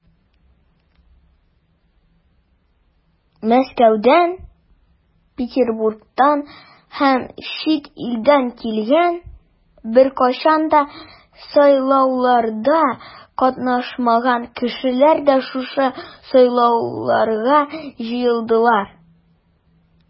Мәскәүдән, Петербургтан һәм чит илдән килгән, беркайчан да сайлауларда катнашмаган кешеләр дә шушы сайлауларга җыелдылар.